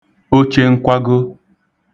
ochenkwago